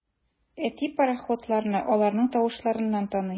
Әти пароходларны аларның тавышларыннан таный.